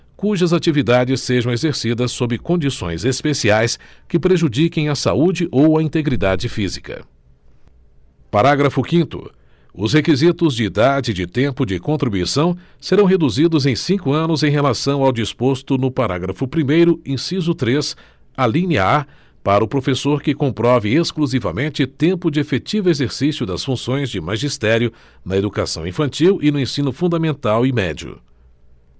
cujas atividades sejam exercidas sob condições especiais que prejudiquem a saúde ou a integridade física parágrafo com redação dada pela emenda constitucional número quarenta e sete de dois mil e cinco parágrafo quinto os requisitos de idade e de tempo de contribuição serão reduzidos em cinco anos em relação ao disposto no parágrafo primeiro inciso três alínea a para o professor que comprove exclusivamente tempo de efetivo exercício das funções de magistério na educação infantil e no ensino fundamental e médio